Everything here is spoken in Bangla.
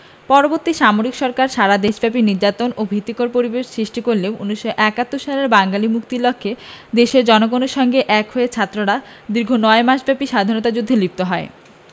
পরবর্তী সামরিক সরকার সারা দেশব্যাপী নির্যাতন ও ভীতিকর পরিবেশ সৃষ্টি করলে ১৯৭১ সালে বাঙালির মুক্তির লক্ষ্যে দেশের জনগণের সঙ্গে এক হয়ে ছাত্ররা দীর্ঘ নয় মাসব্যাপী স্বাধীনতা যুদ্ধে লিপ্ত হয়